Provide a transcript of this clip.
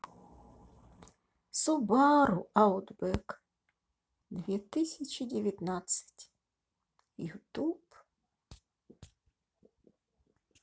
субару аутбек две тысячи девятнадцать ютуб